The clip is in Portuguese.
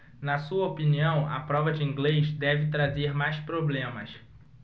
na sua opinião a prova de inglês deve trazer mais problemas